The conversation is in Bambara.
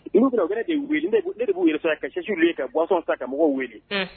Depuis u bɛ na , u bɛ ne de weele, ne de b'u ka_ reçois _ ka chaises louer ka boison san ,ka mɔgɔw weele, unhun.